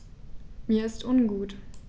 Mir ist ungut.